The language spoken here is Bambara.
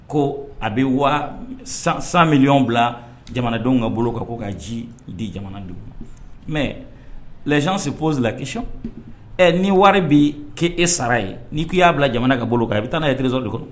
Ko a bɛ wa san miliy bila jamanadenw ka bolo kan ka ji di jamana don mɛ lajɛ se posi la kic ɛ ni wari bɛ' e sara ye n'i koi y'a bila jamana ka bolo kan a bɛ taa' ye terireso don kɔnɔ